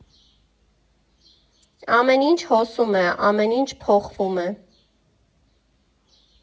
Ամեն ինչ հոսում է, ամեն ինչ փոխվում է։